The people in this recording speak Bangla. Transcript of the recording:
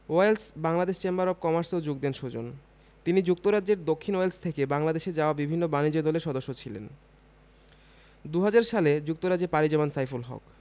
ওয়েলস বাংলাদেশ চেম্বার অব কমার্সেও যোগ দেন সুজন তিনি যুক্তরাজ্যের দক্ষিণ ওয়েলস থেকে বাংলাদেশে যাওয়া বিভিন্ন বাণিজ্য দলের সদস্য ছিলেন ২০০০ সালে যুক্তরাজ্যে পাড়ি জমান সাইফুল হক